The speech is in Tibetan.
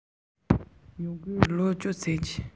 ལྷག པར དུ ལོ ན བཅུ ཙམ ལས